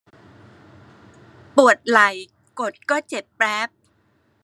ปวดไหล่กดก็เจ็บแปล๊บ